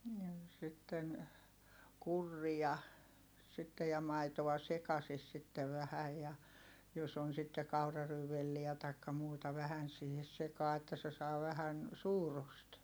ja sitten kurria sitten ja maitoa sekaisin sitten vähän ja jos on sitten kauraryynivelliä tai muuta vähän siihen sekaan että se saa vähän suurusta